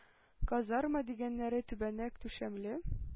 Казарма дигәннәре тәбәнәк түшәмле,